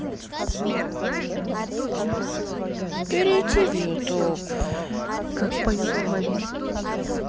перейти в ютуб